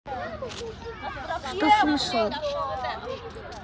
что слышал